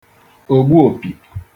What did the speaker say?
ògbuopì